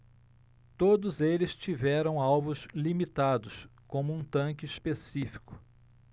todos eles tiveram alvos limitados como um tanque específico